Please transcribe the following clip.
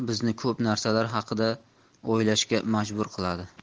bizni ko'p narsalar haqida o'ylashga majbur qiladi